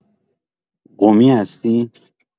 قمی هستی؟